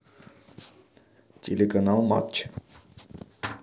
телеканал матч